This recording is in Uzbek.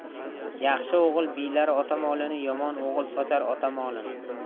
yaxshi o'g'il biylar ota molini yomon o'g'il sochar ota molini